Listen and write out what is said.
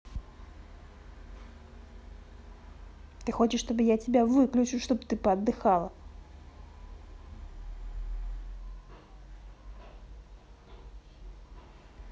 ты хочешь чтобы я тебя выключу чтобы ты поотдыхала